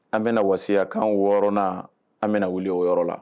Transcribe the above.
An bɛ na wasiya kan 6 nan, an bɛna wili o yɔrɔ la.